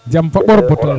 jam fa ɓor bata yoq